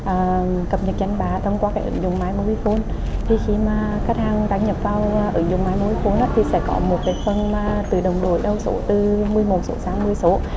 ờ cập nhật danh bạ thông qua các ứng dụng mai mô bi phôn thì khi mà khách hàng đăng nhập vào ứng dụng mai mô bi phôn thì sẽ có một cái phần mà tự động đổi i đầu số từ mười một số sang mười số